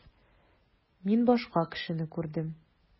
Мин башка кешене күрдем.